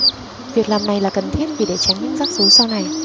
việc làm này là cần thiết vì để tránh những rắc rối sau này